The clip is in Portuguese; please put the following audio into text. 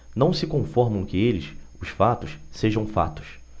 não se conformam que eles os fatos sejam fatos